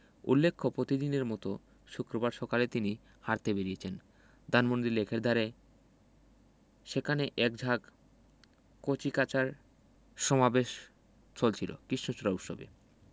উল্লেখ্য প্রতিদিনের মতো শুক্রবার সকালে তিনি হাঁটতে বেরিয়েছিলেন ধানমন্ডি লেকের ধারে সেখানে এক ঝাঁক কচিকাঁচার সমাবেশ চলছিল কৃষ্ণচূড়া উৎসবে